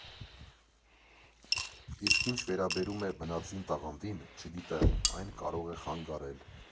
Իսկ ինչ վերաբերում է բնածին տաղանդին, չգիտեմ, այն կարող է խանգարել։